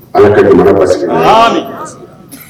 Ala ka maraba sigi h min